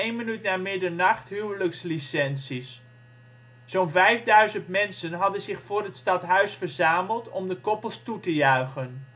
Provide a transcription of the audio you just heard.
minuut na middernacht huwelijkslicenties. Zo 'n vijfduizend mensen hadden zich voor het stadhuis verzameld om de koppels toe te juichen